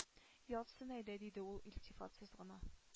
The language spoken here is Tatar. Ятсын әйдә диде ул илтифатсыз гына